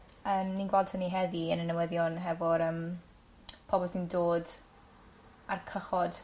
Yym ni'n gweld hynny heddi in y newyddion hefo'r yym pobol sy'n dod ar cychod.